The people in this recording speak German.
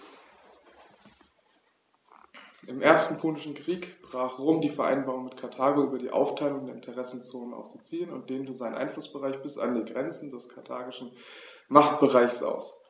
Im Ersten Punischen Krieg brach Rom die Vereinbarung mit Karthago über die Aufteilung der Interessenzonen auf Sizilien und dehnte seinen Einflussbereich bis an die Grenze des karthagischen Machtbereichs aus.